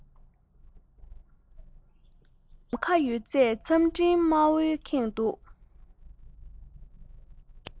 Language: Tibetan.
ནམ མཁའ ཡོད ཚད མཚམས སྤྲིན དམར པོའི ཁེངས འདུག